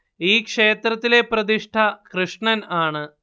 ഈ ക്ഷേത്രത്തിലെ പ്രതിഷ്ഠ കൃഷ്ണൻ ആണ്